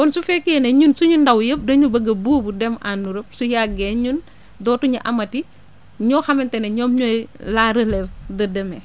kon su fekkee ne ñun suñu ndaw yëpp dañu bëgg a buubu dem en Europe su yàggee ñun dootuñu amati ñoo xamante ne ñoom ñooy la relève de demain